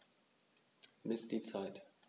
Miss die Zeit.